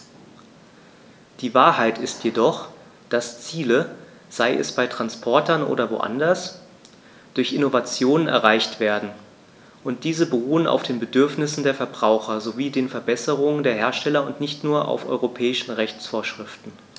Die Wahrheit ist jedoch, dass Ziele, sei es bei Transportern oder woanders, durch Innovationen erreicht werden, und diese beruhen auf den Bedürfnissen der Verbraucher sowie den Verbesserungen der Hersteller und nicht nur auf europäischen Rechtsvorschriften.